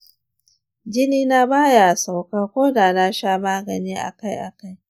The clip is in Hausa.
jini na baya sauka ko da na sha magani na akai akai.